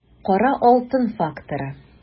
Кара алтын факторы